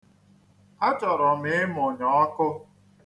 Achọrọ m ịmụnye ọkụ.